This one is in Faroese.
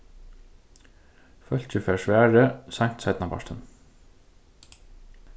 fólkið fær svarið seint seinnapartin